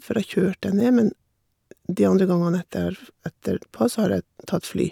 For jeg kjørte jeg ned, men de andre gangene etterf etterpå, så har jeg tatt fly.